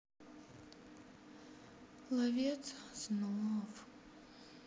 ловец снов